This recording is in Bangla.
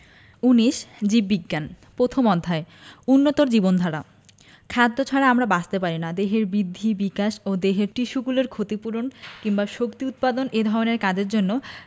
১৯ জীববিজ্ঞান পথম অধ্যায় উন্নতর জীবনধারা খাদ্য ছাড়া আমরা বাঁচতে পারি না দেহের বিদ্ধি এবং বিকাশ দেহের টিস্যুগুলোর ক্ষতি পূরণ কিংবা শক্তি উৎপাদন এ ধরনের কাজের জন্য